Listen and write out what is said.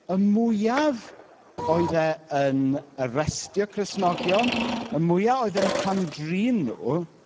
Y mwyaf oedd e yn arestio Cristnogion. Y mwyaf oedd e'n camdrin nhw...